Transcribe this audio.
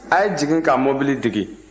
a' ye jigin ka mobili digi